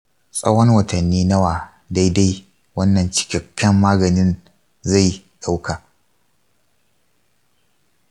tsawon watanni nawa daidai wannan cikakken maganin zai dauka?